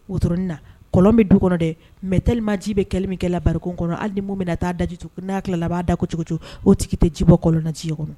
Orin na kolonlɔn bɛ du kɔnɔ dɛ mɛ tlima ji bɛ kɛlɛ min kɛ barik kɔnɔ hali ni mun minɛ na t taaa dajitu n'a tilala laban b'a da ko cogo cogo o tigi tɛ ji bɔ kɔlɔn na ji kɔnɔ